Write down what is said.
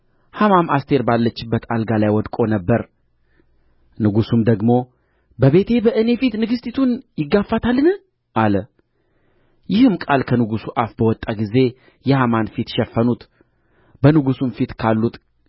ሐማም አስቴር ባለችበት አልጋ ላይ ወድቆ ነበር ንጉሡም ደግሞ በቤቴ በእኔ ፊት ንግሥቲቱን ይጋፋታልን አለ ይህም ቃል ከንጉሡ አፍ በወጣ ጊዜ የሐማን ፊት ሸፈኑት በንጉሡም ፊት ካሉት